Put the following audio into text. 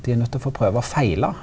dei er nøydt til å få prøva å feila.